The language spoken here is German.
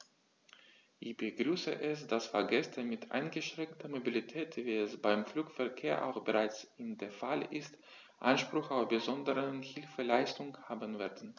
Ich begrüße es, dass Fahrgäste mit eingeschränkter Mobilität, wie es beim Flugverkehr auch bereits der Fall ist, Anspruch auf besondere Hilfeleistung haben werden.